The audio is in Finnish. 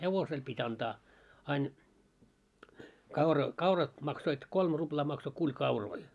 hevosella piti antaa aina kaura kaurat maksoi kolme ruplaa maksoi kuli kauroja